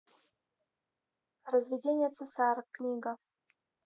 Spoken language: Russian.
разведение цесарок книга